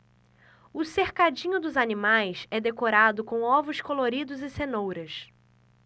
o cercadinho dos animais é decorado com ovos coloridos e cenouras